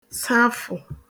safụ̀